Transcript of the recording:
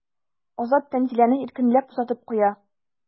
Азат Тәнзиләне иркенләп озатып куя.